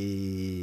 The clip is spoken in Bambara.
Ee mun